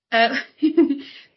Yy.